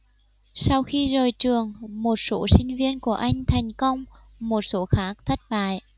sau khi rời trường một số sinh viên của anh thành công một số khác thất bại